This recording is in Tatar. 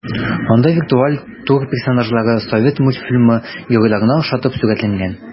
Анда виртуаль тур персонажлары совет мультфильмы геройларына охшатып сурәтләнгән.